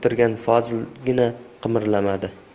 qilib o'tirgan fozilgina qimirlamadi